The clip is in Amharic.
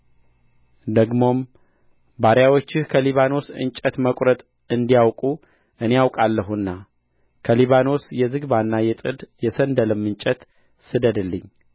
ደግሞም ባሪያዎችህ ከሊባኖስ እንጨት መቍረጥ እንዲያውቁ እኔ አውቃለሁና ከሊባኖስ የዝግባና የጥድ የሰንደልም እንጨት ስደድልኝ